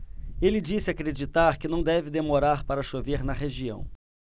ele disse acreditar que não deve demorar para chover na região